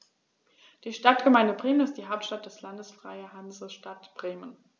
Die Stadtgemeinde Bremen ist die Hauptstadt des Landes Freie Hansestadt Bremen.